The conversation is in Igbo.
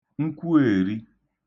nkwuèri